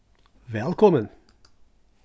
vælkomin